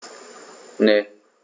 Ne.